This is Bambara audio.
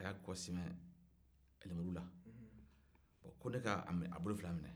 a y' a kɔ sɛmɛ lemurula ko ne ka bolo fila minɛ